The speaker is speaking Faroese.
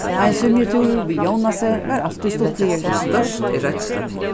ein svimjitúrur við jónasi var altíð stuttligur